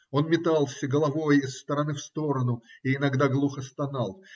он метался головой из стороны в сторону и иногда глухо стонал.